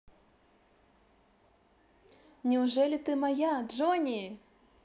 неужели ты моя jony